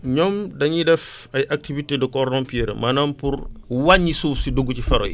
ñoom dañuy def ay activités de cordon pierreux maanaam pour wàññi suuf si dugg ci faro yi